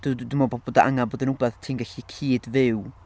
Dw- dwi'n meddwl bod o angen bod yn rywbeth ti'n gallu cyd-fyw...